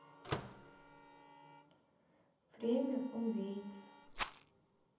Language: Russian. время убийц